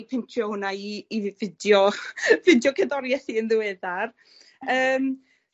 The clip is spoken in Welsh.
pintio hwna i i fi- fideo cerddorieth hi yn ddiweddar. Yym.